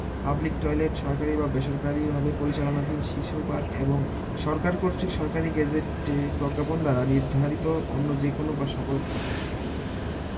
public toilet সরকারী বা বেসরকালিভাবে পরিচালনাধীন শিশু পার্ক এবং সরকার কর্তৃক সরকারী গেজেটে প্রজ্ঞাপন দ্বারা নির্ধারিত অন্য যে কোন বা সকল স্থান